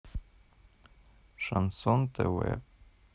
шансон тв